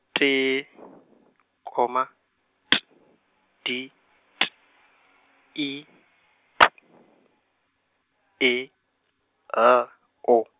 tee , comma, T, D, T, E, P, E, L, O.